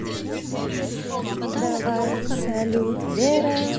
давай салют вера